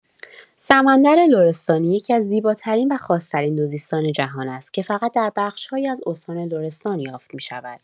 سمندر لرستانی یکی‌از زیباترین و خاص‌ترین دوزیستان جهان است که فقط در بخش‌هایی از استان لرستان یافت می‌شود.